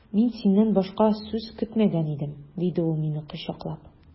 Мин синнән башка сүз көтмәгән идем, диде ул мине кочаклап.